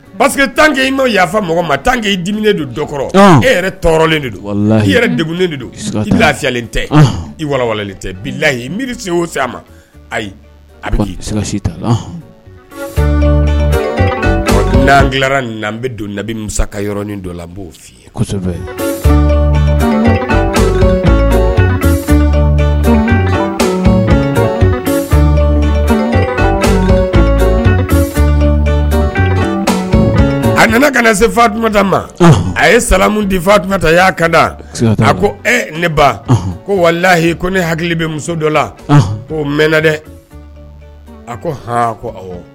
Tankɛi ma yafafa mɔgɔ ma tan k ke ii dummi don dɔ kɔrɔ e yɛrɛ tɔɔrɔlen de don i yɛrɛ de don layalen tɛ i wawa tɛ bi layi miiri o a ma ayi a bɛsi n'ra donbi masa dɔ'o a nana ka na se fatuma ta ma a ye samu di fatumata y'a kada a ko ne ba ko wala layi ko ne hakili bɛ muso dɔ la ko mɛnna dɛ a ko h ko